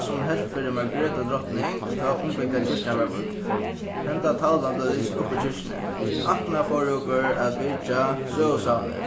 sum hon helt fyri margrethu drotning tá umbygda kirkjan varð vígd hendan talvan bleiv lisin upp í kirkjuni aftaná fóru okur at vitja søgusavnið